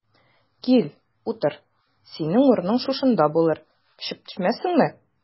Кил, утыр, синең урының шушында булыр, очып төшмәссеңме?